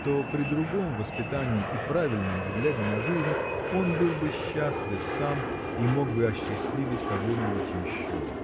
что при другом воспитании и правильном взгляде на жизнь он был бы счастлив сам и мог бы осчастливить кого-нибудь еще